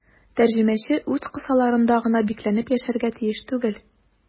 Тәрҗемәче үз кысаларында гына бикләнеп яшәргә тиеш түгел.